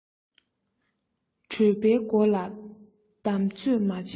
གྲོད པའི སྒོ ལ བསྡམ ཚོད མ བྱས ན